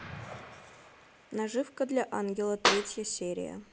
наживка для ангела третья серия